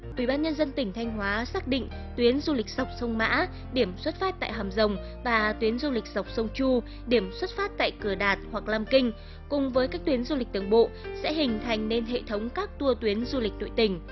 ủy ban nhân dân tỉnh thanh hóa xác định tuyến du lịch dọc sông mã điểm xuất phát tại hàm rồng và tuyến du lịch dọc sông chu điểm xuất phát tại cửa đạt hoặc lam kinh cùng với các tuyến du lịch đường bộ sẽ hình thành nên hệ thống các tua tuyến du lịch nội tình